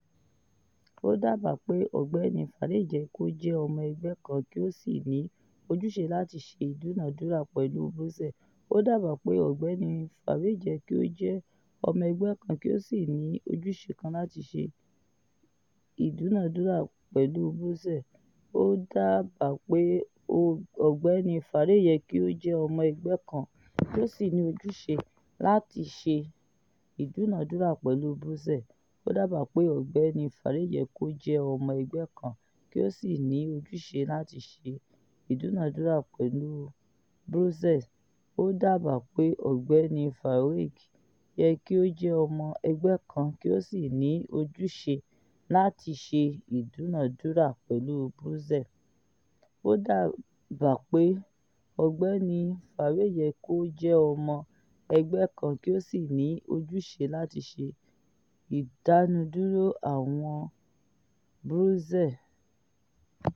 Ó dábà pé Ọ̀gbẹ́ni Farage yẹ kó jẹ ọmọ ẹgbẹ́ kan kí ó sì ní ojúse láti ṣe ìdúnàádúrà pẹ̀lú Brussels.